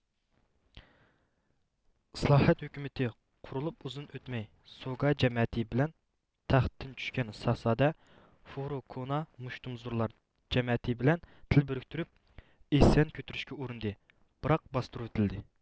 ئىسلاھات ھۆكۈمىتى قۇرۇلۇپ ئۇزۇن ئۆتمەي سوگا جەمەتى بىلەن تەختتىن چۈشكەن شاھزادە فۇرو كونا مۇشتۇمزورلار جەمەتى بىلەن تىل بىرىكتۈرۈپ ئىسيان كۆتۈرۈشكە ئۇرۇندى بىراق باستۇرۇۋېتىلدى